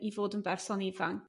i fod yn berson ifan'?